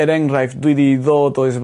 er enghraiff dwi 'di ddod o...